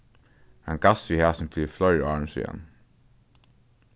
hann gavst við hasum fyri fleiri árum síðan